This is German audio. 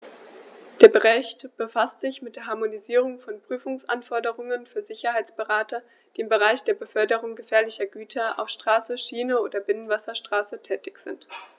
Der Bericht befasst sich mit der Harmonisierung von Prüfungsanforderungen für Sicherheitsberater, die im Bereich der Beförderung gefährlicher Güter auf Straße, Schiene oder Binnenwasserstraße tätig sind.